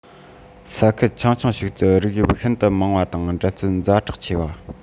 ས ཁུལ ཆུང ཆུང ཞིག ཏུ རིགས དབྱིབས ཤིན ཏུ མང བ དང འགྲན རྩོད ཛ དྲག ཆེ བ དང